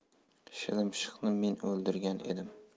shilimshiqni men o'ldirgan edim